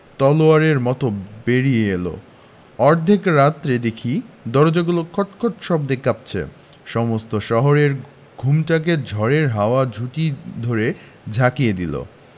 তলোয়ারের মত বেরিয়ে এল অর্ধেক রাত্রে দেখি দরজাগুলো খটখট শব্দে কাঁপছে সমস্ত শহরের ঘুমটাকে ঝড়ের হাওয়া ঝুঁটি ধরে ঝাঁকিয়ে দিলে